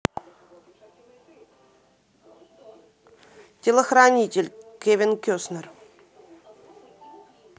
телохранитель кевин костнер